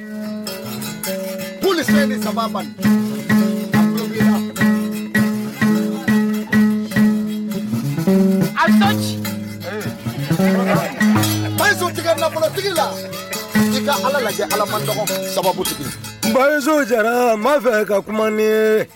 Nafolotigi la ala ala jɛra fɛ ka